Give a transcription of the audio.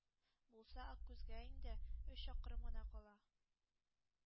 Булса, Аккүзгә инде. Өч чакрым гына кала.